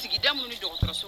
Sigida minnu ni dɔgɔ so